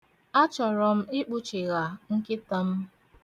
A chọrọ m ịkpụchigha nkịta m.